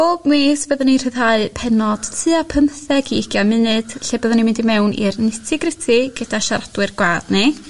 bob mis fyddwn i'n rhyddhau pennod tua pymtheg i ugian munud lle byddwn i'n mynd i mewn i'r nitty-gritty gyda siaradwyr gwadd ni